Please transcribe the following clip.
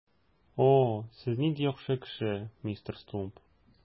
О, сез нинди яхшы кеше, мистер Стумп!